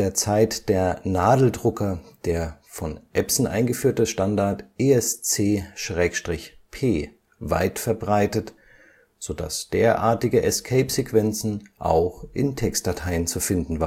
Zeit der Nadeldrucker der von Epson eingeführte Standard ESC/P weit verbreitet, so dass derartige Escape-Sequenzen auch in Textdateien zu finden